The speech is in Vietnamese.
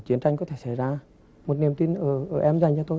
chiến tranh có thể xảy ra một niềm tin ở em dành cho tôi